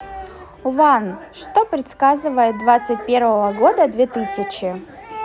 one что предсказывает двадцать первого года две тысячи